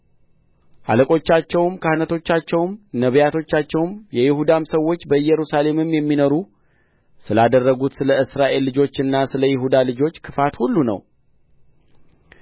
አለቆቻቸውም ካህናቶቻቸውም ነቢያቶቻቸውም የይሁዳም ሰዎች በኢየሩሳሌምም የሚንኖሩ ስላደረጉት ስለ እስራኤል ልጆችና ስለ ይሁዳ ልጆች ክፋት ሁሉ ነው